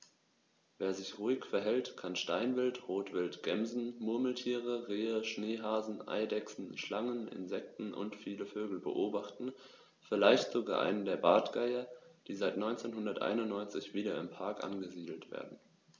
Wer sich ruhig verhält, kann Steinwild, Rotwild, Gämsen, Murmeltiere, Rehe, Schneehasen, Eidechsen, Schlangen, Insekten und viele Vögel beobachten, vielleicht sogar einen der Bartgeier, die seit 1991 wieder im Park angesiedelt werden.